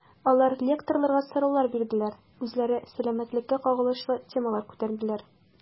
Алар лекторларга сораулар бирделәр, үзләре сәламәтлеккә кагылышлы темалар күтәрделәр.